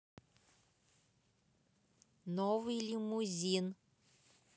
новый лимузин